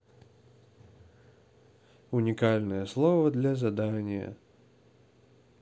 уникальное слово для задания